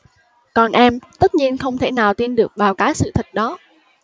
còn em tất nhiên không thể nào tin được vào cái sự thật đó